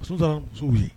Sisan,